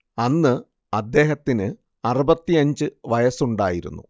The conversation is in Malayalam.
അന്ന് അദ്ദേഹത്തിന് അറുപത്തിയഞ്ച് വയസ്സുണ്ടായിരുന്നു